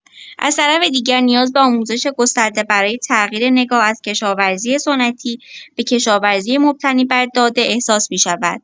از طرف دیگر، نیاز به آموزش گسترده برای تغییر نگاه از کشاورزی سنتی به کشاورزی مبتنی بر داده احساس می‌شود.